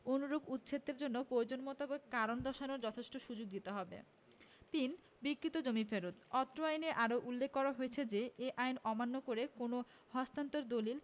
অনুরূপ উচ্ছেদের জন্য প্রয়োজন মোতাবেক কারণ দর্শানোর যথেষ্ট সুযোগ দিতে হবে ৩ বিক্রীত জমি ফেরত অত্র আইনে আরো উল্লেখ করা হয়েছে যে এ আইন অমান্য করে কোনও হস্তান্তর দলিল